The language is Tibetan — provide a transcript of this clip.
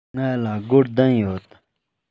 ང ལ སྒོར བདུན ཡོད